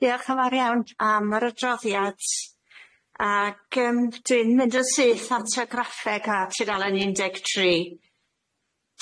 Diolch yn fawr iawn am yr adroddiad ag yym dwi'n mynd yn syth at y graffeg ar tudalan un deg tri.